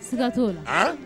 Siga t'o la, an